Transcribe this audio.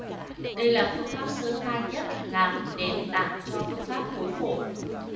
đây là phương pháp sơ khai nhất làm nền tản cho phương pháp khối phổ